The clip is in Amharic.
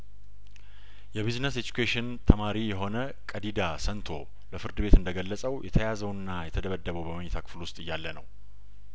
የቢዝነስ ኢዱኬሽን ተማሪ የሆነ ቀዲዳ ሰንቶ ለፍርድ ቤት እንደገለጸው የተያዘውና የተደበደበው በመኝታ ክፍሉ ውስጥ እያለነው